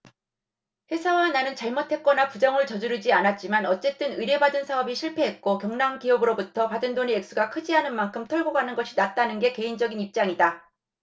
회사와 나는 잘못했거나 부정을 저지르지 않았지만 어쨌든 의뢰받은 사업이 실패했고 경남기업으로부터 받은 돈의 액수가 크지 않은 만큼 털고 가는 것이 낫다는 게 개인적인 입장이다